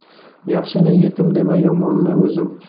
yaxshini yetim dema yomonni o'zim